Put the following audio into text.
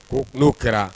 Ko n'o kɛra